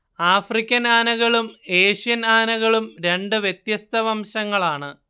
African ആനകളും Asian ആനകളും രണ്ട് വ്യത്യസ്ത വംശങ്ങളാണ്